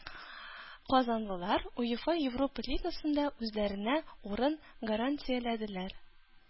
Казанлылар УЕФА Европа Лигасында үзләренә урын гарантияләделәр.